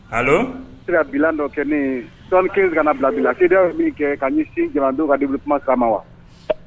Sera bila dɔ kɛ ne tɔn kelen ka kana na bilabila la min kɛ ka sin jamana don ka di kuma kama ma wa